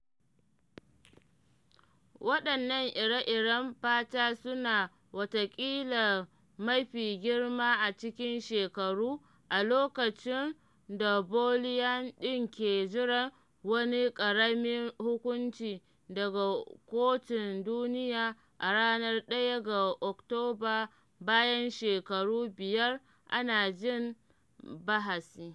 Waɗannan ire-iren fata suna watakila mafi girma a cikin shekaru, a lokacin da Bolivia din ke jiran wani ƙaramin hukunci daga kotun duniya a ranar 1 ga Oktoba bayan shekaru biyar ana jin bahasi.